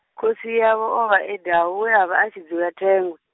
khosi yavho o vha e Dau we a vha a tshi dzula Thengwe.